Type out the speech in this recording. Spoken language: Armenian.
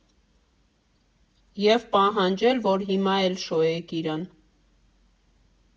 ԵՒ պահանջել, որ հիմա էլ շոյեք իրեն։